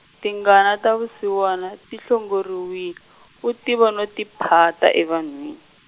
tingana ta vusiwana ti hlongoriwile u tiva no tiphata evanhwini.